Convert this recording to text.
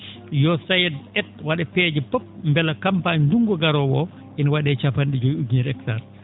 yo SAED ?e? wa?a peeje fof mbele campagne ndunngu garoowo oo ine wa?ee cappan?e joyi ujunere hectares